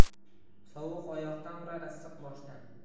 sovuq oyoqdan urar issiq boshdan